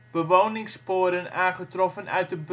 bewoningssporen aangetroffen uit de